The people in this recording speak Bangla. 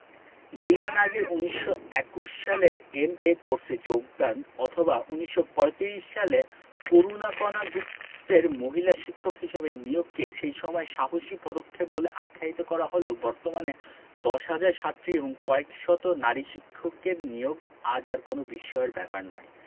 লীলা নাগের ১৯২১ সালে এম.এ কোর্সে যোগদান অথবা ১৯৩৫ সালে করুণাকণা গুপ্তের মহিলা শিক্ষক হিসেবে নিয়োগকে সেই সময়ে সাহসী পদক্ষেপ বলে আখ্যায়িত করা হলেও বর্তমানে ১০ হাজার ছাত্রী ও কয়েক শত নারী শিক্ষকের নিয়োগ আজ আর কোনো বিস্ময়ের ব্যাপার নয়